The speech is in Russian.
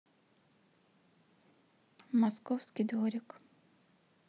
московский дворик